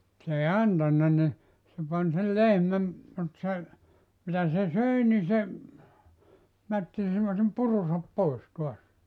se ei antanut niin se pani sen lehmän mutta se mitä se söi niin se mätti semmoisen purunsa pois taas